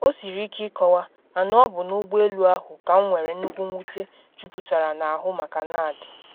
O siri ike ịkọwa, mana ọ bụ n’ụgbọ elu ahụ ka m nwere nnukwu mwute juputara n’ahụ maka Nad.